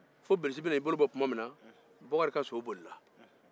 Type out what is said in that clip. bilisi bɛna i bolo bɔ tuma min na bakari a so bolila